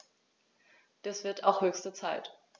Das wird auch höchste Zeit!